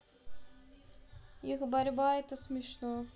их борьба это смешно